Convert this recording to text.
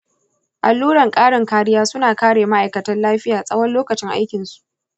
alluran ƙarin kariya suna kare ma'aikatan lafiya tsawon lokacin aikinsu.